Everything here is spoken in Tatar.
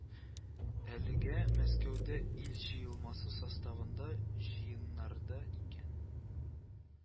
Әлегә Мәскәүдә ил җыелмасы составында җыеннарда икән